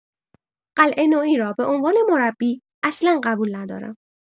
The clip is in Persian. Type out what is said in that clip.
قلعه‌نویی را به عنوان مربی اصلن قبول ندارم.